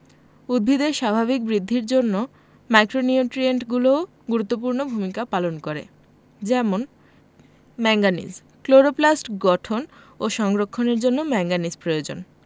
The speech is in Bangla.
উদ্ভিদের স্বাভাবিক বৃদ্ধির জন্য মাইক্রোনিউট্রিয়েন্টগুলোও গুরুত্বপূর্ণ ভূমিকা পালন করে যেমন ম্যাংগানিজ ক্লোরোপ্লাস্ট গঠন ও সংরক্ষণের জন্য ম্যাংগানিজ প্রয়োজন